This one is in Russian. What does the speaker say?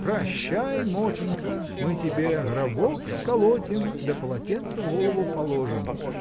Прощай, Мотинька: мы тебе гробок сколотим да поленце в голову положим.